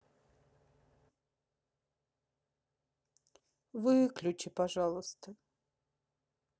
выключи пожалуйста